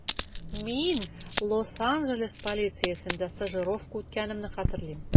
Мин Лос-Анджелес полициясендә стажировка үткәнемне хәтерлим.